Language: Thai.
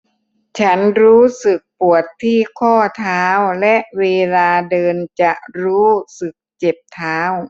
ฉันรู้สึกปวดที่ข้อเท้าและเวลาเดินจะรู้สึกเจ็บเท้า